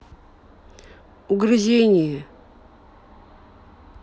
угрызение